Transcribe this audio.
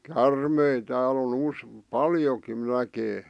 käärmeitä täällä on - paljonkin näkee